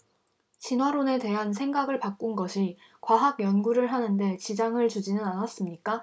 진화론에 대한 생각을 바꾼 것이 과학 연구를 하는 데 지장을 주지는 않았습니까